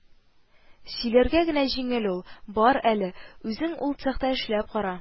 Сөйләргә генә җиңел ул, бар әле, үзең ул цехта эшләп кара